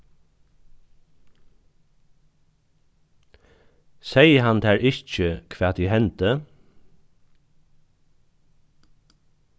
segði hann tær ikki hvat ið hendi